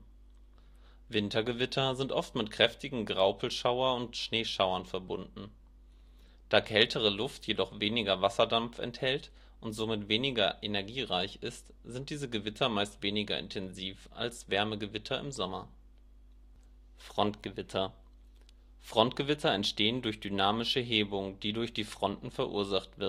Wintergewitter sind oft mit kräftigen Graupelschauer - und Schneeschauern verbunden. Da kältere Luft jedoch weniger Wasserdampf enthält und somit weniger energiereich ist, sind diese Gewitter meistens weniger intensiv als Wärmegewitter im Sommer. Frontgewitter entstehen durch dynamische Hebung, die durch die Fronten verursacht